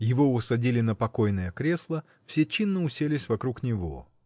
Его усадили на покойное кресло; все чинно уселись вокруг него.